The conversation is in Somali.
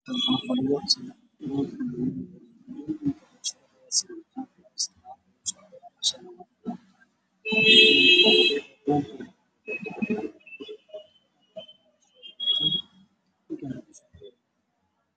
Waa gabdho harqaan baranaayo iyo macalinkoda